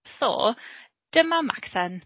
So, dyma Macsen.